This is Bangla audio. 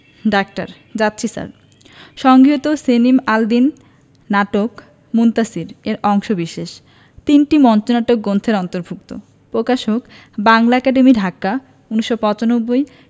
ডাক্তার যাচ্ছি স্যার সংগৃহীত সেলিম আল দীন নাটক মুনতাসীর এর অংশবিশেষ তিনটি মঞ্চনাটক গ্রন্থের অন্তর্ভুক্ত প্রকাশকঃ বাংলা একাডেমী ঢাকা ১৯৯৫